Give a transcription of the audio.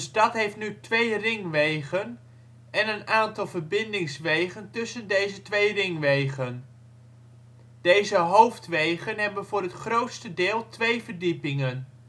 stad heeft nu twee ringwegen, en een aantal verbindingswegen tussen deze twee ringwegen. Deze hoofdwegen hebben voor het grootste deel twee verdiepingen